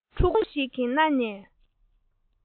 ཕྲུ གུ ཆུང ཆུང ཞིག གི སྣ ནས